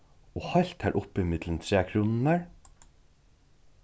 og heilt har uppi millum trækrúnurnar